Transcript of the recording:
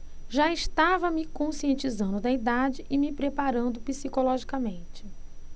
já estava me conscientizando da idade e me preparando psicologicamente